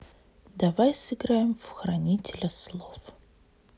давай сыграем в хранителя слов